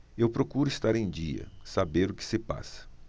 eu procuro estar em dia saber o que se passa